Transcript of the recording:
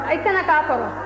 i kɛnɛ k'a kɔrɔ